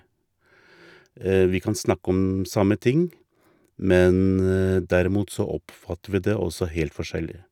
Vi kan snakke om samme ting, men derimot så oppfatter vi det også helt forskjellig.